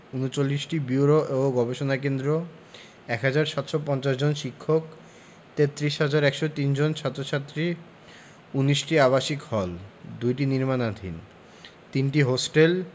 ৩৯টি ব্যুরো ও গবেষণা কেন্দ্র ১ হাজার ৭৫০ জন শিক্ষক ৩৩ হাজার ১০৩ জন ছাত্র ছাত্রী ১৯টি আবাসিক হল ২টি নির্মাণাধীন ৩টি হোস্টেল